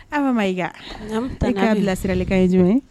An ma i ta' bilasiralikan ye jumɛn